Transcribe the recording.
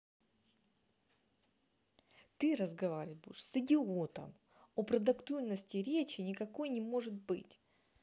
ты разговаривать будешь с идиотом о продуктивности речи никакой не может быть